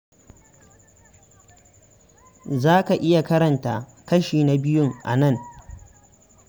Za ka iya karanta kashi na biyun a nan.